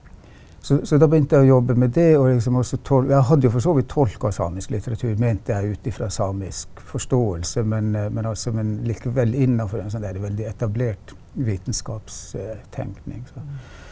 så så da begynte jeg å jobbe med det og liksom også jeg hadde jo for så vidt tolka samisk litteratur mente jeg ut ifra samisk forståelse, men men altså men likevel innafor en sånn der veldig etablert vitenskapstenkning.